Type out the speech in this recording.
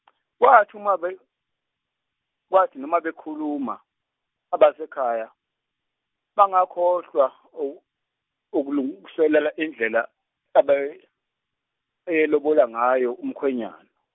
kwathi- umabe-, kwathi noma bekhuluma, abasekhaya, bangakhohlwa o- ukulungiselela indlela abay-, ayelobola ngayo umkhwenyana.